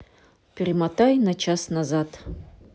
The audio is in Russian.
перемотай на час назад